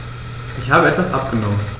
Ich habe etwas abgenommen.